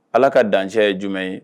Ala ka dancɛ ye jumɛn ye